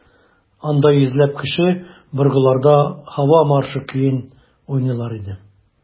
Анда йөзләп кеше быргыларда «Һава маршы» көен уйныйлар иде.